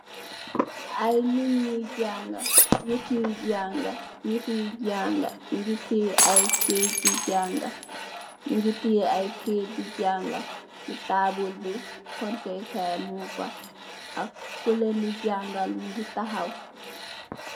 Ay nit yuy janga, ñu ngi teyeh ay kayit di janga, ci tabull bi kontekai mung fa, ku lèèn di jangal mugee taxaw.